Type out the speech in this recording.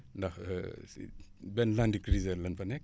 ndax si benn * la ñu fa nekk